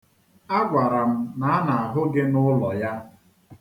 A gwara m na a na-ahụ gị n'ụlọ ya.